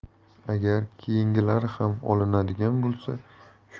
agar keyingilari ham olinadigan